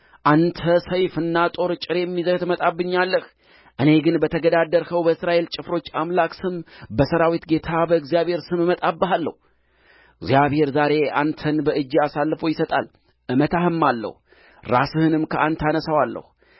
አንተ ሰይፍና ጦር ጭሬም ይዘህ ትመጣብኛለህ እኔ ግን ዛሬ በተገዳደርኸው በእስራኤል ጭፍሮች አምላክ ስም በሠራዊት ጌታ በእግዚአብሔር ስም እመጣብሃለሁ እግዚአብሔር ዛሬ አንተን በእጄ አሳልፎ ይሰጣል እመታህማለሁ ራስህንም ከአንተ አነሣዋለሁ